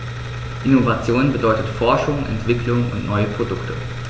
Innovation bedeutet Forschung, Entwicklung und neue Produkte.